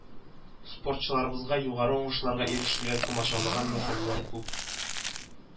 Спортчыларыбызга югары уңышларга ирешергә комачаулаган мәсьәләләр күп